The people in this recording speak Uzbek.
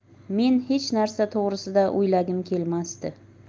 men hech narsa to'g'risida o'ylagim kelmasdi